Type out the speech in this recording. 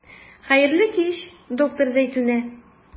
Хәерле кич, доктор Зәйтүнә.